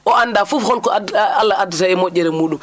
o anndaa fof holko ad Allah addata e moƴƴere muuɗum